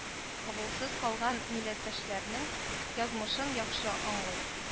Авылсыз калган милләттәшләренең язмышын яхшый аңлый